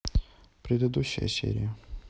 предыдущая серия